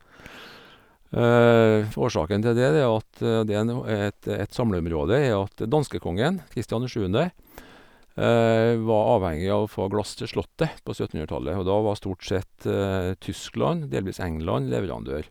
f Årsaken til det, det er jo at det nå er et et samleområde, er jo at danskekongen, Christian den sjuende, var avhengig av å få glass til slottet på søttenhundretallet, og da var stort sett Tyskland, delvis England, leverandør.